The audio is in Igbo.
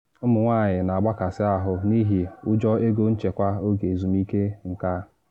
Ụmụ nwanyị na agbakasị ahụ n’ihi ụjọ ego nchekwa oge ezumike nka